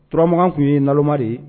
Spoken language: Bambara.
Turama tun ye naloma de ye